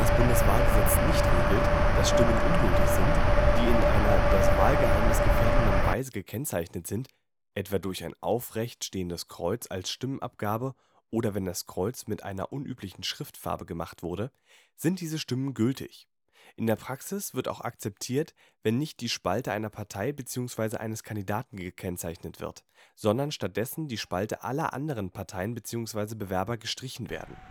Bundeswahlgesetz nicht regelt, dass Stimmen ungültig sind, die in einer das Wahlgeheimnis gefährdenden Weise gekennzeichnet sind (etwa durch ein aufrecht stehendes Kreuz als Stimmabgabe oder wenn das Kreuz mit einer unüblichen Stiftfarbe gemacht wurde), sind diese Stimmen gültig. In der Praxis wird auch akzeptiert, wenn nicht die Spalte einer Partei bzw. eines Kandidaten gekennzeichnet wird, sondern stattdessen die Spalten aller anderen Parteien bzw. Bewerber gestrichen werden